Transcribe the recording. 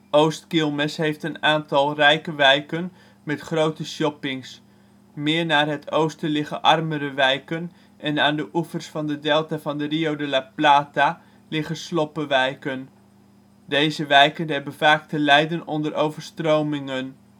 Oost-Quilmes heeft een aantal rijke wijken met grote shoppings. Meer naar het oosten liggen armere wijken en aan de oevers van de delta van de Rio de la Plata liggen sloppenwijken. Deze wijken hebben vaak te lijden onder overstromingen